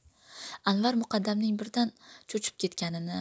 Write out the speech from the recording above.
anvar muqaddamning birdan cho'chib ketganini